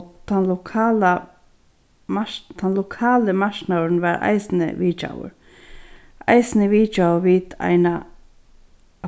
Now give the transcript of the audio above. tann lokala tann lokali marknaðurin varð eisini vitjaður eisini vitjaðu vit eina